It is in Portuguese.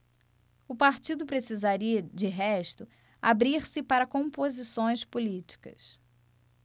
o partido precisaria de resto abrir-se para composições políticas